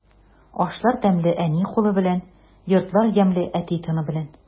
Ашлар тәмле әни кулы белән, йортлар ямьле әти тыны белән.